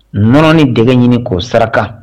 Nɔnɔ ni dɛgɛ ɲini k'o saraka